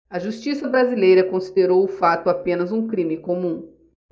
a justiça brasileira considerou o fato apenas um crime comum